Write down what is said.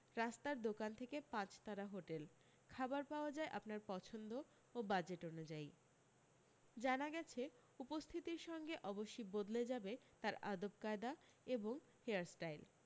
রাস্তার দোকান থেকে পাঁচ তারা হোটেল খাবার পাওয়া যায় আপনার পছন্দ ও বাজেট অনু্যায়ী জানা গেছে উপস্থিতির সঙ্গে অবশ্যি বদলে যাবে তার আদবকায়দা এবং হেয়ারস্টাইল